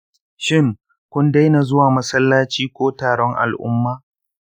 shin kun daina zuwa masallaci ko taron al'umma?